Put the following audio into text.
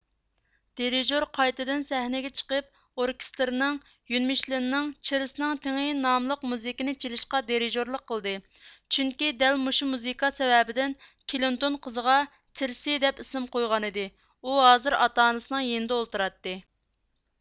دىرىژور قايتىدىن سەھنىگە چىقىپ ئوركېستىرنىڭ يۈنمىچلنىڭ چىرىسنىڭ تېڭى ناملىق مۇزىكىنى چېلىشىغا دىرىژورلۇق قىلدى چۈنكى دەل مۇشۇ مۇزىكا سەۋەبىدىن كلىنتون قىزىغا چىرسىي دەپ ئىسىم قويغانىدى ئۇ ھازىر ئاتا ئانىسىنىڭ يېنىدا ئولتۇراتتى